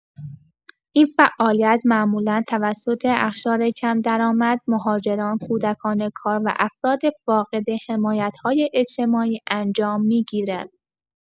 این فعالیت معمولا توسط اقشار کم‌درآمد، مهاجران، کودکان کار و افراد فاقد حمایت‌های اجتماعی انجام می‌گیرد.